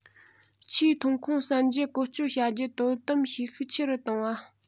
ཆུའི ཐོན ཁུངས གསར འབྱེད བཀོལ སྤྱོད བྱ རྒྱུར དོ དམ བྱེད ཤུགས ཆེ རུ གཏོང བ